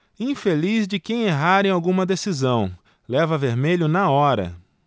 infeliz de quem errar em alguma decisão leva vermelho na hora